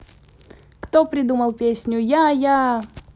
кто придумал песню я я